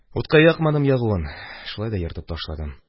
Утка якмадым ягуын, шулай да ертып ташладым.